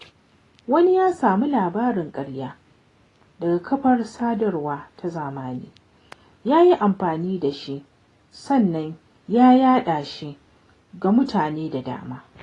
Wani ya samu labarin ƙarya daga kafar sadarwa ta zamani, ya yi amfani da shi sannan ya yaɗa shi ga mutane da dama.